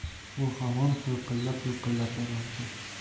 u hamon hiqillab hiqillab borardi